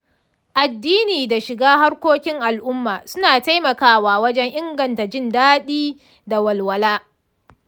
addini da shiga harkokin al'umma suna taimakawa wajen inganta jin daɗi da walwala.